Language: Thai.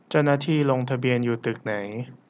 เจ้าหน้าที่ลงทะเบียนอยู่ตึกไหน